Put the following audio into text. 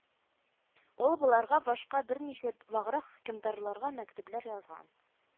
Ул боларга башка берничә ваграк хөкемдарларга мәктүбләр язган